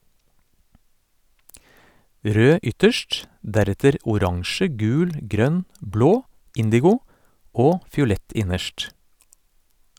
Rød ytterst, deretter oransje, gul, grønn, blå, indigo og fiolett innerst.